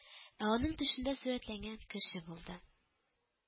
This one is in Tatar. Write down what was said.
Ә аның тышында сурәтләнгән кеше булды